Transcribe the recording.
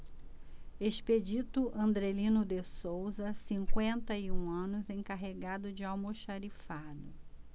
expedito andrelino de souza cinquenta e um anos encarregado de almoxarifado